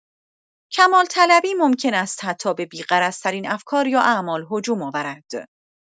کمال‌طلبی ممکن است حتی به بی‌غرض‌ترین افکار یا اعمال هجوم آورد.